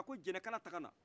a ko jɛnɛkala ta ka na